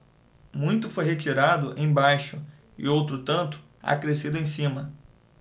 muito foi retirado embaixo e outro tanto acrescido em cima